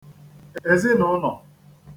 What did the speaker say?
èzinùụnọ̀